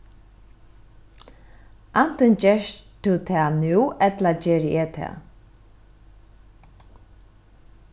antin gert tú tað nú ella geri eg tað